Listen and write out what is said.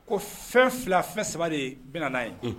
Ko fɛn 2 fɛn 3 dee bɛ na n'a ye unhun